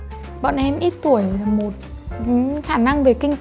bọn em ít tuổi là một khả năng về kinh